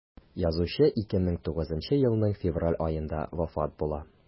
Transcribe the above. Язучы 2009 елның февраль аенда вафат була.